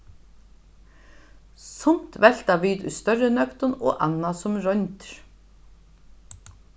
sumt velta vit í størri nøgdum og annað sum royndir